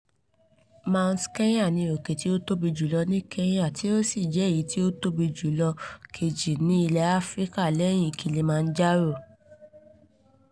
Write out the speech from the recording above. Mount Kenya ni òkè tí ó tóbi jùlọ ní Kenya tí ó sì jẹ́ èyí tí ó tóbi jùlọ kejì ní ilẹ̀ Áfíríkà, lẹ́yìn Kilimanjaro.